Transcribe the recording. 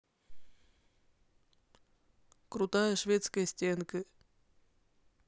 крутая шведская стенка